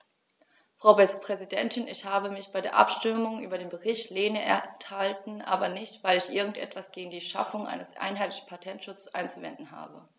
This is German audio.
Frau Präsidentin, ich habe mich bei der Abstimmung über den Bericht Lehne enthalten, aber nicht, weil ich irgend etwas gegen die Schaffung eines einheitlichen Patentschutzes einzuwenden habe.